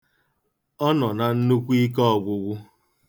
Ọ nọ na nnukwu ikeọgwụgwụ.